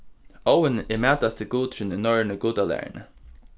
óðin er mætasti gudurin í norrønu gudalæruni